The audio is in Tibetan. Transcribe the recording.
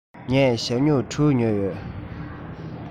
ངས ཞྭ སྨྱུག དྲུག ཉོས ཡོད